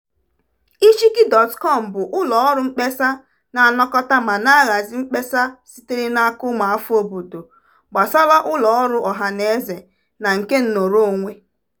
Ishki.com bụ ụlọ ọrụ mkpesa na-anakọta ma na-ahazi mkpesa sitere n'aka ụmụafọ obodo gbasara ụlọ ọrụ ọhanaeze na nke nnọrọ onwe.